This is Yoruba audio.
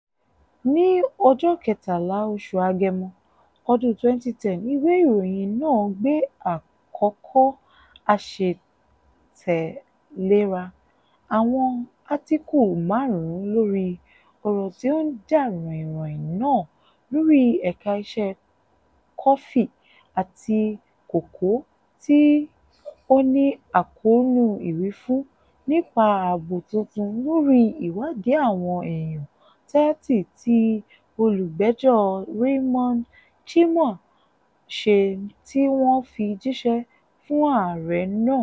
Ní ọjọ́ Kẹtàlá oṣù Agẹmọ, ọdún 2010 ìwé ìròyìn náà gbé àkọ́kọ́ àṣetẹ̀léra àwọn átíkù márùn-ún lórí "ọ̀rọ̀ tí ó ń jà ròhìnròhìn" náà lórí ẹ̀ka iṣẹ́ kọfí àti kòkó tí ó ní àkóónú ìwífún nípa àbọ̀ tuntun lórí ìwádìí àwọn èèyàn 30 tí olùgbẹ́jọ́ Raymond Tchimou ń ṣe tí wọ́n fi jíṣẹ́ fún ààrẹ náà.